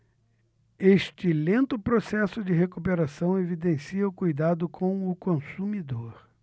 este lento processo de recuperação evidencia o cuidado com o consumidor